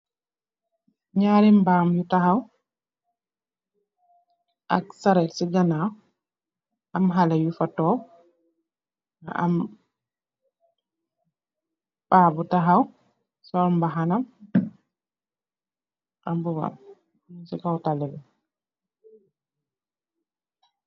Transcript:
Nyarri mbam yu takhaw ak serret am khaleh yufa tok am pa bu takhaw sul mbakha na ak mbuba si kaw talibi